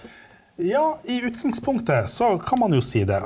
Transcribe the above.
ja, i utgangspunktet så kan man jo si det.